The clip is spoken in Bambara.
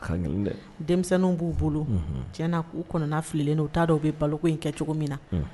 Denmisɛnninw bu bolo tiɲɛ na u kɔnɔna fililen don u ta dɔn u bi balo ko in kɛ cogo min na